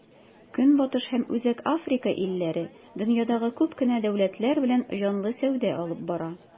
Көнбатыш һәм Үзәк Африка илләре дөньядагы күп кенә дәүләтләр белән җанлы сәүдә алып бара.